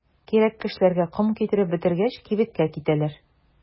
Кирәк кешеләргә ком китереп бетергәч, кибеткә китәләр.